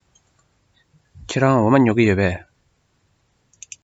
ཁྱེད རང འོ མ ཉོ གི ཡོད པས